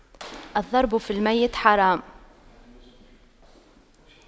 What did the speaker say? الضرب في الميت حرام